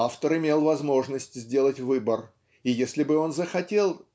автор имел возможность сделать выбор и если бы он захотел